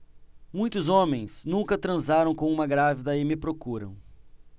muitos homens nunca transaram com uma grávida e me procuram